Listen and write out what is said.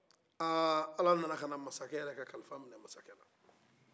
aa ala yɛrɛ nana ka na masakɛ ka kalifa minɛ masakɛla